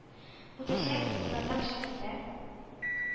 Үтәчәк юллардан шәкертләр